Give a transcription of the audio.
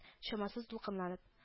Чамасыз дулкынланып